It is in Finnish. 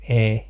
en